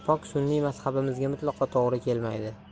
pok sunniy mazhabimizga mutlaqo to'g'ri kelmaydi